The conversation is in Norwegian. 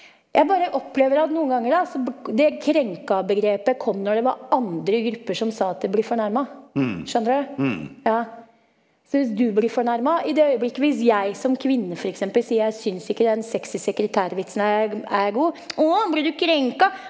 jeg bare opplever at noen ganger da så det krenkabegrepet kom når det var andre grupper som sa at de blir fornærma skjønner du ja, så hvis du blir fornærma i det øyeblikket hvis jeg som kvinne f.eks. sier jeg syns ikke den sexy sekretærvitsen er er god, å blir du krenka?